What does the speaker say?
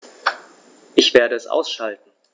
Ich werde es ausschalten